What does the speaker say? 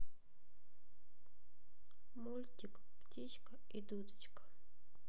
мультик птичка и дудочка